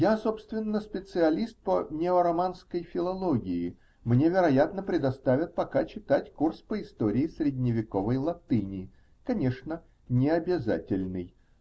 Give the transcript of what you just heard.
-- Я, собственно, специалист по неороманской филологии, мне, вероятно, предоставят пока читать курс по истории средневековой латыни, конечно, необязательный.